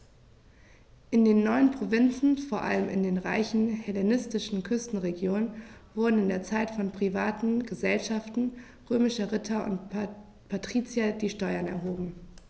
In den neuen Provinzen, vor allem in den reichen hellenistischen Küstenregionen, wurden in dieser Zeit von privaten „Gesellschaften“ römischer Ritter und Patrizier die Steuern erhoben.